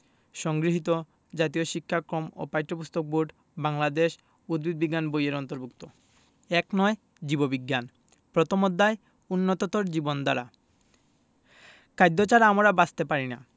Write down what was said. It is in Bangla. সংগৃহীত জাতীয় শিক্ষাকম ও পাঠ্যপুস্তক বোর্ড বাংলাদেশ উদ্ভিদ বিজ্ঞান বই এর অন্তর্ভুক্ত ১৯ জীববিজ্ঞান প্রথম অধ্যায় উন্নততর জীবনধারা খাদ্য ছাড়া আমরা বাঁচতে পারি না